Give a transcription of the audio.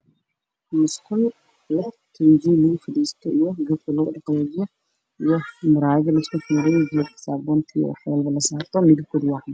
Waa musqul midabkeedu yahay caddaan